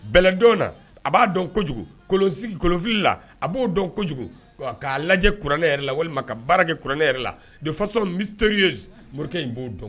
Bɛlɛdonna a b'a dɔn kojugu kolon kolonfi la a b'o dɔn kojugu k'a lajɛ kuranɛ yɛrɛ la walima ka baara kɛ kuranɛ yɛrɛ la don fasɔ misitori morikɛ in b'o dɔn